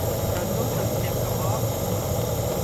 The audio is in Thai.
ฉันรู้สึกเจ็บกระเพาะ